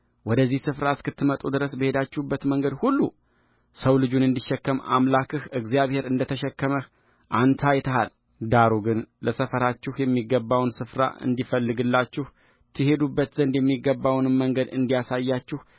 ወደዚህም ስፋራ እስክትመጡ ድረስ በሄዳችሁበት መንገድ ሁሉ ሰው ልጁን እንዲሸከም አምላክህ እግዚአብሔር እንደተሸከመህ አንተ አይተሃልዳሩ ግን ለሰፈራችሁ የሚገባውን ስፍራ እንዲፈልግላችሁ ትሄዱበት ዘንድ የሚገባውንም መንገድ እንዲያሳያችሁ